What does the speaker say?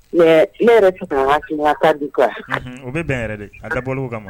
Ne yɛrɛ ka di u bɛ bɛn yɛrɛ a dabɔw ka ma